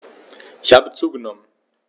Ich habe zugenommen.